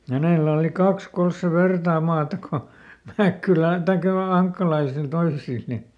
hänellä oli kaksi kolme sen vertaa maata kuin Mäkkylän tai noilla ankkalaisilla toisilla niin mm